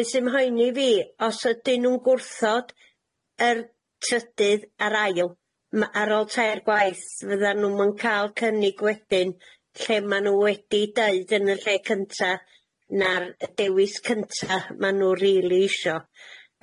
Be' sy mhoeni fi os ydyn nw'n gwrthod yr trydydd ar ail m- ar ôl tair gwaith fyddan nw'm yn ca'l cynnig wedyn lle ma' nw wedi deud yn y lle cynta na'r y dewis cynta ma' nw rili isho.